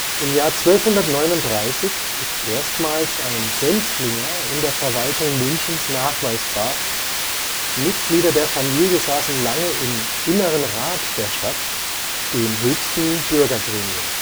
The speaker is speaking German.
1239 ist erstmals ein Sentlinger in der Verwaltung Münchens nachweisbar, Mitglieder der Familie saßen lange im Inneren Rat der Stadt, dem höchsten Bürgergremium